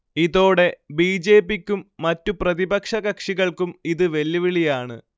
ഇതോടെ B. J. P. ക്കും മറ്റ് പ്രതിപക്ഷ കക്ഷികൾക്കും ഇത് വെല്ലുവിളിയാണ്